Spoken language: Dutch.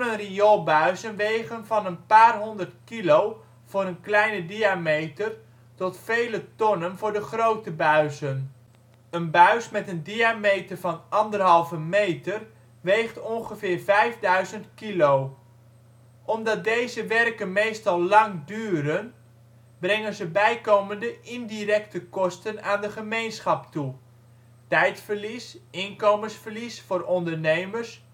rioolbuizen wegen van een paar honderd kilo voor een kleine diameter tot vele tonnen voor de grote buizen. Een buis met een diameter van 1500 mm weegt ongeveer 5000 kilo. Omdat deze werken meestal lang duren, brengen ze bijkomende indirecte kosten aan de gemeenschap toe (tijdverlies, inkomensverlies voor ondernemers